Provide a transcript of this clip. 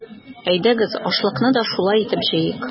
Әйдәгез, ашлыкны да шулай итеп җыйыйк!